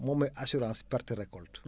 moom mooy assurance perte récolte